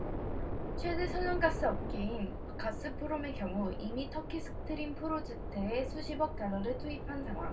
최대 천연가스업체인 가스프롬의 경우 이미 터키 스트림 프로젝트에 수십억 달러를 투입한 상황